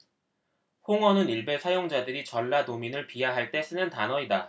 홍어는 일베 사용자들이 전라도민들을 비하할 때 쓰는 단어이다